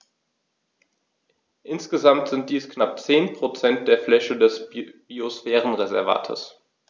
Insgesamt sind dies knapp 10 % der Fläche des Biosphärenreservates.